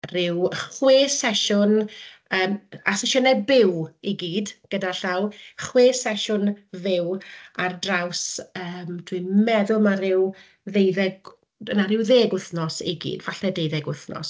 Ryw chwe sesiwn, yym, a sesiynnau byw i gyd gyda llaw, chwe sesiwn fyw ar draws, yym, dwi'n meddwl mai ryw ddeuddeg... na ryw ddeg wythnos i gyd, falle deuddeg wythnos.